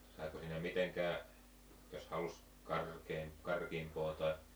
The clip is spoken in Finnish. saiko siinä mitenkään jos halusi - karkeampaa tai